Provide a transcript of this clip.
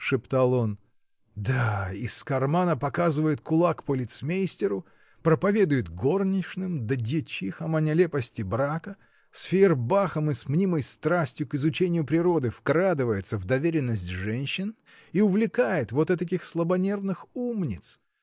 — шептал он, — да, из кармана показывает кулак полицеймейстеру, проповедует горничным да дьячихам о нелепости брака, с Фейербахом и с мнимой страстью к изучению природы вкрадывается в доверенность женщин и увлекает вот этаких слабонервных умниц!.